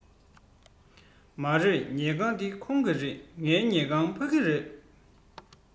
མ རེད ཉལ ཁང འདི ཁོང གི རེད ངའི ཉལ ཁང ཕ གི རེད